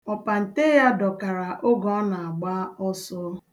Ọpante ya dọkara oge ọ na-agba ọsọ.